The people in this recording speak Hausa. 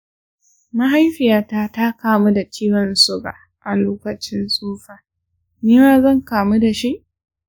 mahaifiyata ta kamu da ciwon suga a lokacin tsufa, nima zan kamu dashi?